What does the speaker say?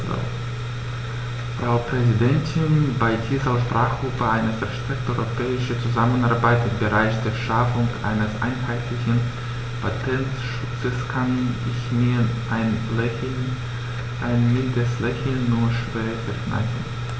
Frau Präsidentin, bei dieser Aussprache über eine verstärkte europäische Zusammenarbeit im Bereich der Schaffung eines einheitlichen Patentschutzes kann ich mir ein Lächeln - ein mildes Lächeln - nur schwer verkneifen.